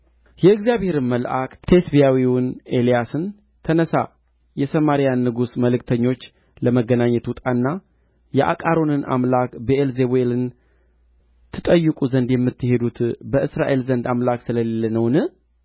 የእግዚአብሔርም መልአክ ቴስብያዊውን ኤልያስን ተነሣ የሰማርያን ንጉሥ መልእክተኞች ለመገናኘት ውጣና የአቃሮንን አምላክ ብዔልዜቡልን ትጠይቁ ዘንድ የምትሄዱት በእስራኤል ዘንድ አምላክ ስለሌለ ነውን